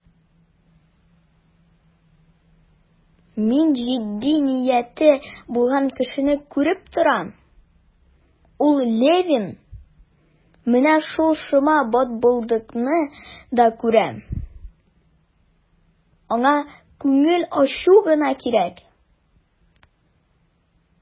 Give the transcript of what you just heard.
Мин җитди нияте булган кешене күреп торам, ул Левин; менә шул шома бытбылдыкны да күрәм, аңа күңел ачу гына кирәк.